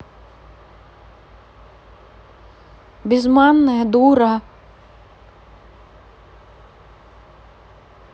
без манная дура